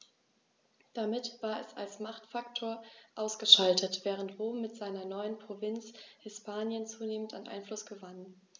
Damit war es als Machtfaktor ausgeschaltet, während Rom mit seiner neuen Provinz Hispanien zunehmend an Einfluss gewann.